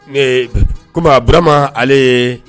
Ee ko balama ale ye